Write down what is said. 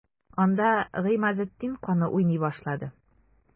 Анда Гыймазетдин каны уйный башлады.